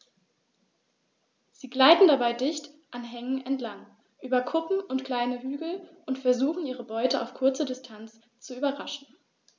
Sie gleiten dabei dicht an Hängen entlang, über Kuppen und kleine Hügel und versuchen ihre Beute auf kurze Distanz zu überraschen.